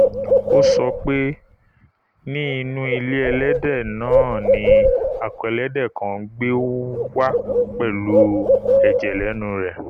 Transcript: Ó sọ pé ní inú ilé ẹlẹ́dẹ náà ni akọ ẹlẹ́dẹ̀ kan gbé wá pẹ̀lú ẹ̀jẹ̀ lẹ́nu rẹ̀.